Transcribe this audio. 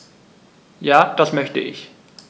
Ja, das möchte ich.